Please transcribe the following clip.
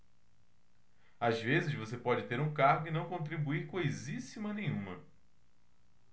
às vezes você pode ter um cargo e não contribuir coisíssima nenhuma